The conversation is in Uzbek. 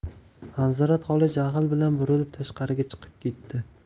anzirat xola jahl bilan burilib tashqariga chiqib ketdi